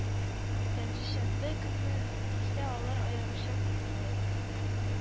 Пәнҗешәмбе көнне исә алар аеруча күп иде